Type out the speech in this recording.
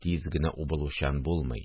Тиз генә убылучан булмый